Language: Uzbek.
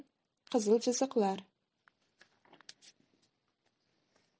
qizil chiziqlar